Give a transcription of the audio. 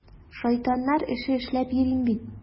Шайтаннар эше эшләп йөрим бит!